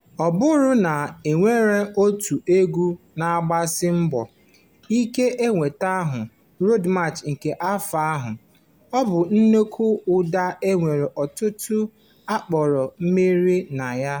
Ọ bụrụ na e nwere otu egwu na-agbasi mbọ ike inweta aha Road March nke afọ a, ọ bụ nnukwu ụda a nwere ọtụtụ akọrọ mmeri na ya: